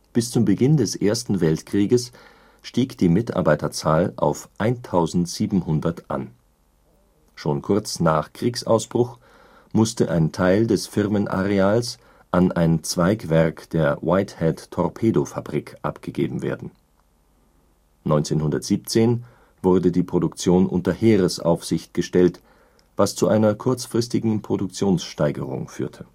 Bis zum Beginn des Ersten Weltkrieges stieg die Mitarbeiterzahl auf 1.700 an. Schon kurz nach Kriegsausbruch musste ein Teil des Firmenareals an ein Zweigwerk der Whitehead Torpedofabrik abgegeben werden, 1917 wurde die Produktion unter Heeresaufsicht gestellt, was zu einer kurzfristigen Produktionssteigerung führte